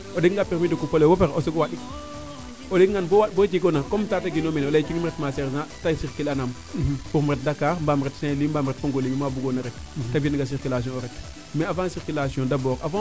o jega nga permis de coupe ale boo pare o soogo wandik o ndega ngaan bo waandik bo jegoona comme Tataguine o mene o leyee cungim im ret ma sergent te circuler a naam pour im ret Dakar mba im ret Saint louis mba im ret Fongelemi mu bugoona rek te fiya nong a circulation o ret mais avant circulation d' abord